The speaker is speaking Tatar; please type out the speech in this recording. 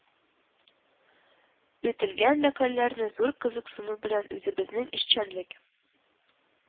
Үтелгән мәкаләләрне зур кызыксыну белән, үзебезнең эшчәнлек